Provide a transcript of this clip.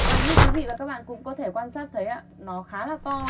và như quý vị và các bạn cũng có thể quan sát thấy ạ nó khá là to